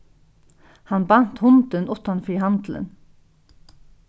hann bant hundin uttan fyri handilin